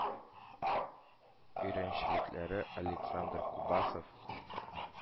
Өйрәнчекләре александр кубасов